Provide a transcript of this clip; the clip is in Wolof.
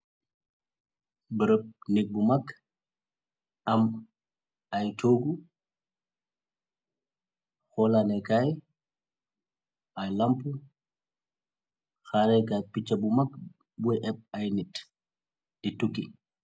Bërëb nig bu mag am ay toogu xoolanékaay ay lamp xarekaay picca bu mag bur ép ay nit di tukki.